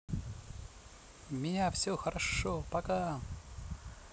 меня все хорошо пока